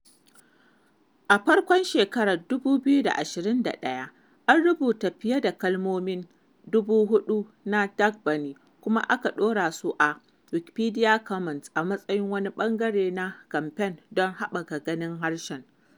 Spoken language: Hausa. A farkon 2021, an rubuta fiye da kalmomi 4,000 na Dagbani kuma aka ɗora su a Wikimedia Commons a matsayin wani ɓangare na kamfen don haɓaka ganin harshen.